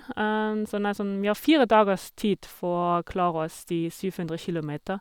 Sånn er sånn, vi har fire dagers tid for å klare oss de syv hundre kilometer.